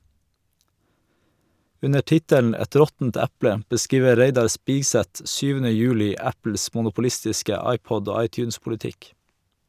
Under tittelen "Et råttent eple" beskriver Reidar Spigseth 7. juli Apples monopolistiske iPod- og iTunes-politikk.